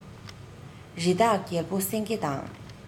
རི དྭགས རྒྱལ པོ སེང གེ དང